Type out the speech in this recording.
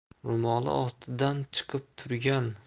ro'moli ostidan chiqib turgan